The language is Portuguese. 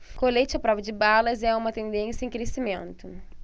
colete à prova de balas é uma tendência em crescimento